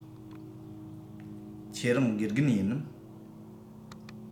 ཁྱེད རང དགེ རྒན ཡིན ནམ